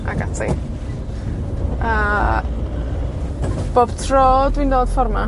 ...ag ati. A, bob tro dwi'n dod ffor 'ma,